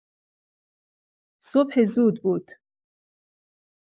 صبح زود بود.